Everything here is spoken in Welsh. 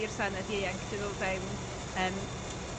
i'r senedd ieuenctid o fewn yym